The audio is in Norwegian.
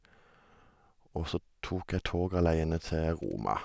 Og så tok jeg tog aleine til Roma.